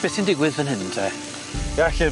Beth sy'n digwydd fyn hyn te? Ia lle...